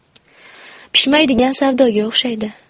pishmaydigan savdoga o'xshaydi